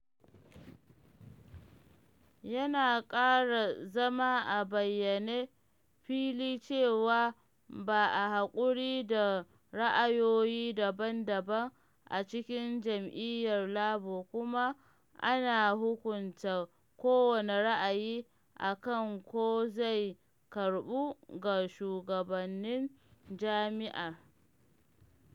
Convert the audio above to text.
Yana ƙara zama a bayyane fili cewa ba a haƙuri da ra’ayoyi daban-daban a cikin jam’iyyar Labour kuma ana hukunta kowane ra’ayi a kan ko zai karɓu ga shugabannin jam’iyyar.